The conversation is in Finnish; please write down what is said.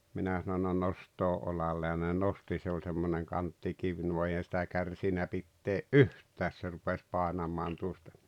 minä sanoin no nostaa olalle ja ne nosti se oli semmoinen kanttikivi nuo eihän sitä kärsinyt pitää yhtään se rupesi painamaan tuosta